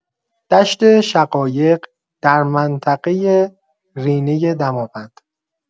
دشت شقایق در منطقه رینه دماوند